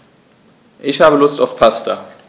Ich habe Lust auf Pasta.